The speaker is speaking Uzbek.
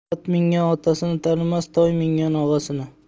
ot mingan otasini tanimas toy mingan og'asini